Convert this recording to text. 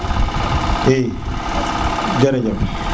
i jërëjëf